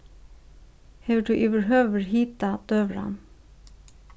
hevur tú yvirhøvur hitað døgurðan